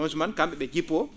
oon suman kam?e ?e jippoo